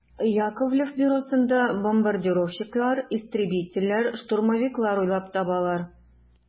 Яковлев бюросында бомбардировщиклар, истребительләр, штурмовиклар уйлап табалар.